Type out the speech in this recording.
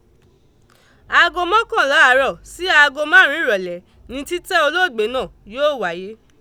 Aago mọ́kànlá àárọ̀ sí aago márùn ún ìrọ̀lẹ́ ni títẹ́ olóògbé náà yóò wáyé.